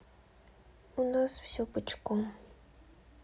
а у нас все пучком